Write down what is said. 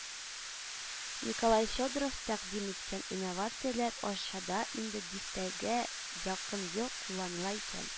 Николай Федоров тәкъдим иткән инновацияләр Арчада инде дистәгә якын ел кулланыла икән